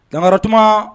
Dangakaratuma